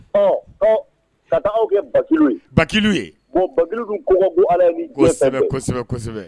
Ɔ ɔ ka aw kɛ baki bakilu ye bon ba ko bon ala kosɛbɛ kosɛbɛ kosɛbɛ